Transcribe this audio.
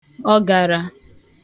ọgara